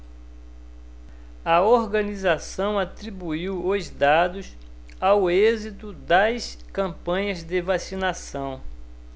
a organização atribuiu os dados ao êxito das campanhas de vacinação